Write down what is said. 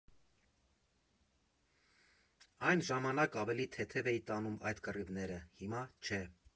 Այն ժամանակ ավելի թեթև էի տանում այդ կռիվները, հիմա՝ չէ։